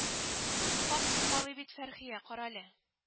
Хак сукалый бит Фәрхия. Карале